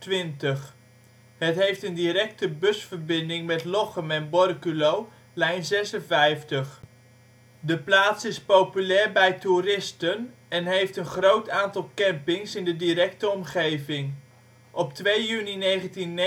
821). Het heeft een directe busverbinding met Lochem en Borculo (lijn 56). De plaats is populair bij toeristen, en heeft een groot aantal campings in de directe omgeving. Op 2 juni 1999